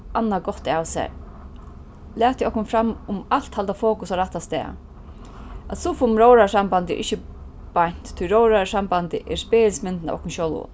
annað gott av sær latið okkum fram um alt halda fokus á rætta stað at suffa um róðrarsambandið er ikki beint tí róðrarsambandið er spegilsmyndin av okkum sjálvum